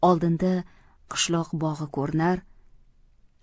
oldinda qishloq bog'i ko'rinar